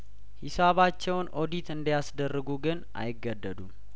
ሂሳባቸውን ኦዲት እንዲያስ ደርጉ ግን አይገደዱም